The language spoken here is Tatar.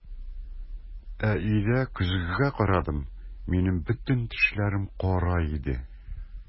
Ә өйдә көзгегә карадым - минем бөтен тешләрем кара иде!